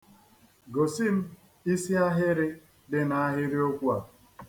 Gosi m isiahiri di n'ahiriokwu a.